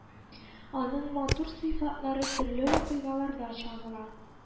Аның матур сыйфатлары төрле вакыйгаларда чагыла